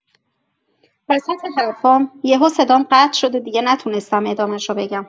وسط حرفام یهو صدا قطع شد و دیگه نتونستم ادامشو بگم.